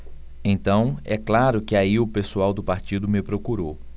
então é claro que aí o pessoal do partido me procurou